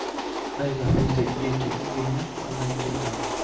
đây là phương tiện di chuyển duy nhất của anh em trên tàu